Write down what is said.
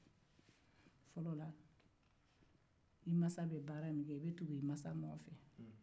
fɔlɔla ni i masa bɛ baara min kɛ i bɛ tugu i masa nɔfɛ